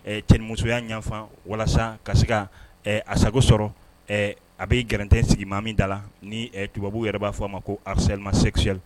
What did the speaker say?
Cɛmusoya ɲfan walasa ka se ka a sagogo sɔrɔ a bɛ garanɛn sigi min da la ni tubabu yɛrɛ b'a fɔ a ma ko alislima sɛli